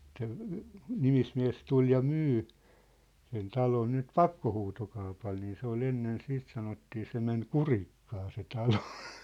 se nimismies tuli ja myi sen talon nyt pakkohuutokaupalla niin se oli ennen sitten sanottiin se meni kurikkaan se talo